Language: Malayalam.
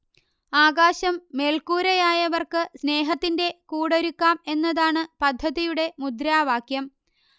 ആകാശം മേൽക്കൂരയായവർക്ക് സ്നേഹത്തിന്റെ കൂടൊരുക്കാം എന്നതാണ് പദ്ധതിയുടെ മുദ്രാവാക്യം